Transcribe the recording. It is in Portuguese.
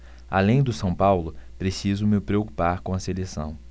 além do são paulo preciso me preocupar com a seleção